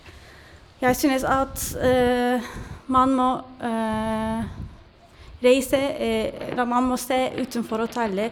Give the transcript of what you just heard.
Jeg synes at man må reise, da man må se utenfor hotellet.